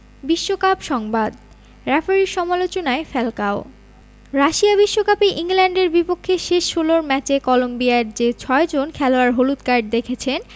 বিশ্বকাপ সংবাদ রেফারির সমালোচনায় ফ্যালকাও রাশিয়া বিশ্বকাপে ইংল্যান্ডের বিপক্ষে শেষ ষোলোর ম্যাচে কলম্বিয়ার যে ছয়জন খেলোয়াড় হলুদ কার্ড দেখেছেন